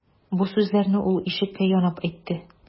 Бу сүзләрне ул ишеккә янап әйтте.